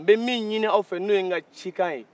n bɛ min ɲini aw fɛ ni o ye n ka cikan ye